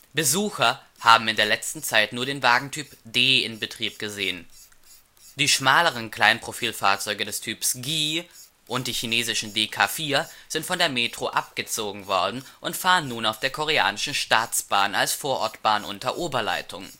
Besucher haben in der letzten Zeit nur den Wagentyp D in Betrieb gesehen. Die schmaleren Kleinprofil-Fahrzeuge des Typs GI und die chinesischen DK4 sind von der Metro abgezogen worden und fahren nun auf der Koreanischen Staatsbahn als Vorortbahn unter Oberleitung